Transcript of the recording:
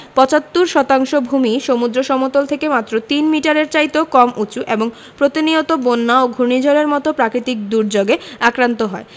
৭৫ শতাংশ ভূমিই সমুদ্র সমতল থেকে মাত্র তিন মিটারের চাইতেও কম উঁচু এবং প্রতিনিয়ত বন্যা ও ঘূর্ণিঝড়ের মতো প্রাকৃতিক দুর্যোগে আক্রান্ত হয়